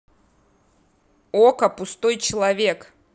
okko пустой человек